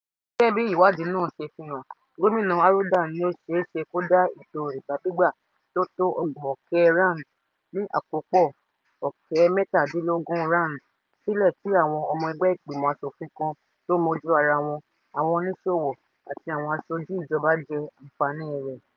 Gẹ́gẹ́ bí ìwádìí náà ṣe fi hàn, Gómìnà Arruda ni ó ṣeé ṣe kó da ètò rìbá gbígbà tó tó R$ 600,000 (ní àkópọ̀ $340,000) sílẹ̀ tí àwọn ọmọ ẹgbẹ́ ìgbìmọ̀ aṣòfin kan tó mojú ara wọn, àwọn oníṣòwò àti àwọn aṣojú ìjọba jẹ aǹfààní rẹ̀.